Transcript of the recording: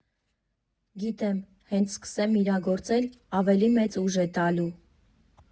Գիտեմ՝ հենց սկսեմ իրագործել, ավելի մեծ ուժ է տալու։